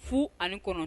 Fu ani kɔnɔ